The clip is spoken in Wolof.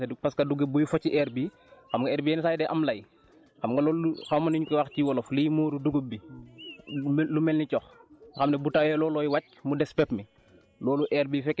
loolu daal moo ci commencé dugg parce que dugub buy focc heure bii xam nga heure bii yenn saa yi day am lay xam nga loolu lu xaw ma nuñ koy wax ci wolof liy muur dugub bi mel lu mel ni cox xam ne bu tawee loolumooy wàcc mu des pepp mi